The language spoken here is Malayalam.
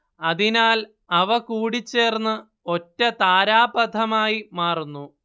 അതിനാൽ അവ കൂടിച്ചേർന്ന് ഒറ്റ താരാപഥമായി മാറുന്നു